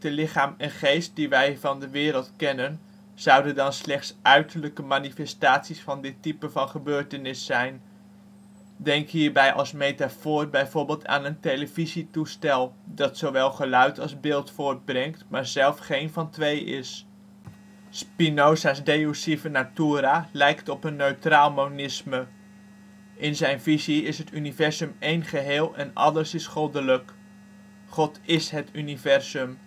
lichaam en geest die wij van de wereld kennen zouden dan slechts uiterlijke manifestaties van dit type van gebeurtenis zijn. Denk hierbij als metafoor bijvoorbeeld aan een televisietoestel, dat zowel geluid als beeld voortbrengt, maar zelf geen van twee is. Spinoza 's Deus sive natura lijkt op een neutraal monisme. In zijn visie is het universum één geheel en alles is goddelijk. God ís het universum